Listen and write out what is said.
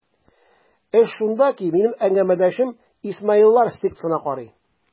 Эш шунда ки, минем әңгәмәдәшем исмаилләр сектасына карый.